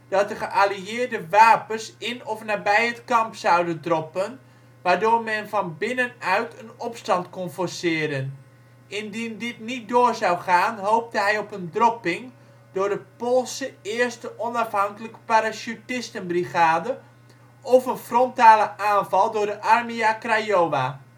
dat de geallieerden wapens in of nabij het kamp zouden droppen, waardoor men van binnenuit een opstand kon forceren. Indien dit niet door zou gaan, hoopte hij op een dropping door de Poolse Eerste Onafhankelijke Parachutistenbrigade of een frontale aanval door de Armia Krajowa. In